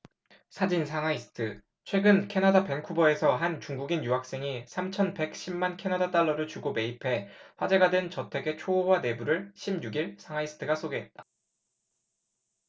사진 상하이스트최근 캐나다 밴쿠버에서 한 중국인 유학생이 삼천 백 십 만 캐나다 달러를 주고 매입해 화제가 된 저택의 초호화 내부를 십 육 일 상하이스트가 소개했다